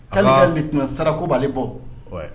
Kali fi tun sara kobaale bɔ